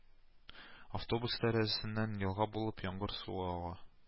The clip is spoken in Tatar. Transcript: Автобус тәрәзәсеннән елга булып яңгыр суы ага